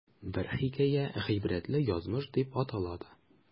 Бер хикәя "Гыйбрәтле язмыш" дип атала да.